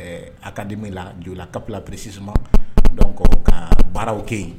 Ɛɛ, academie la, Johila la CAP la précisément donc ka baaraw kɛ yen